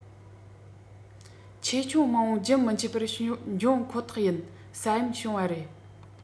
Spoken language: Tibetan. ཆེ ཆུང མང པོ རྒྱུན མི ཆད པར འབྱུང ཁོ ཐག ཡིན ས ཡོམ བྱུང བ རེད